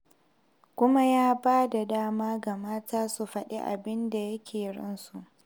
Kuma ya ba da dama ga mata su faɗi abin da ya ke ransu.